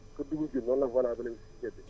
si dugub ji noonun la valable ci ceeb bi